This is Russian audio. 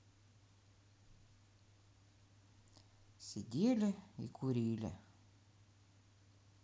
сидели и курили